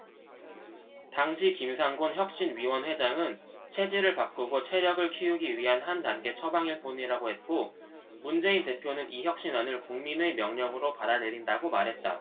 당시 김상곤 혁신위원회장은 체질을 바꾸고 체력을 키우기 위한 한 단계 처방일 뿐이라고 했고 문재인 대표는 이 혁신안을 국민의 명령으로 받아들인다고 말했다